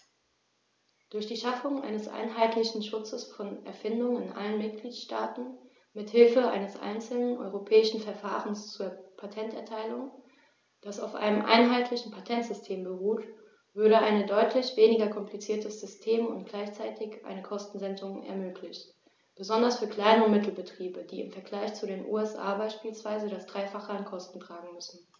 Durch die Schaffung eines einheitlichen Schutzes von Erfindungen in allen Mitgliedstaaten mit Hilfe eines einzelnen europäischen Verfahrens zur Patenterteilung, das auf einem einheitlichen Patentsystem beruht, würde ein deutlich weniger kompliziertes System und gleichzeitig eine Kostensenkung ermöglicht, besonders für Klein- und Mittelbetriebe, die im Vergleich zu den USA beispielsweise das dreifache an Kosten tragen müssen.